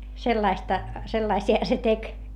sellaista sellaisia se teki